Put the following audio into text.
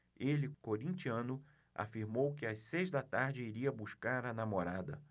ele corintiano afirmou que às seis da tarde iria buscar a namorada